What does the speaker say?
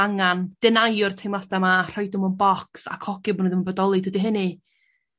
angan denyo'r teimlada 'ma rhoid o mewn bocs a cogio bo' nw ddim 'n bodoli dydi hynny